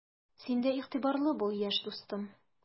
Син дә игътибарлы бул, яшь дустым!